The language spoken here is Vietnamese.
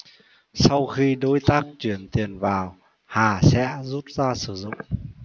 sau khi đối tác chuyển tiền vào hà sẽ rút ra sử dụng